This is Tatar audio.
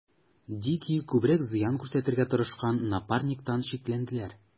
Дикий күбрәк зыян күрсәтергә тырышкан Напарниктан шикләнделәр.